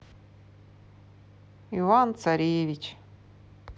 иван царевич